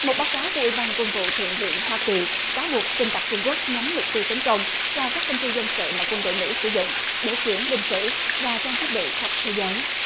một báo cáo của ủy ban quân vụ thượng viện hoa kỳ cáo buộc tin tặc trung quốc nhắm mục tiêu tấn công vào các công ty dân sự mà quân đội mỹ sử dụng để chuyển binh sĩ và trang thiết bị khắp thế giới